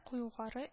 Кюлгары